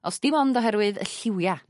os dim ond oherwydd y lliwia'